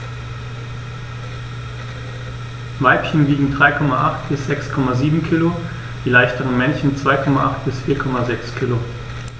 Weibchen wiegen 3,8 bis 6,7 kg, die leichteren Männchen 2,8 bis 4,6 kg.